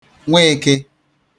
Nweeke